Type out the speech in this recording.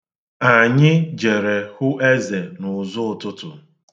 Anyị jere hụ Eze n’ụzọụtụtụ.